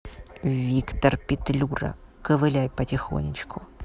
виктор петлюра ковыляй потихонечку